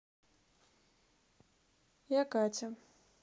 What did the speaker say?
я катя